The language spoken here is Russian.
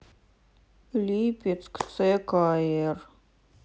липецк цкр